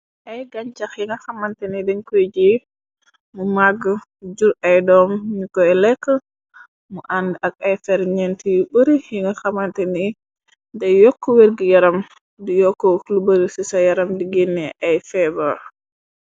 ay gañcax yinga xamante ni deñ kuy ji mu magg jur ay doom ni koy lekk mu ànd ak ay fer ñent yu bëri yinga xamante ni de yokk wergu yaram du yokko klubar ci ca yaram di génne ay feebar.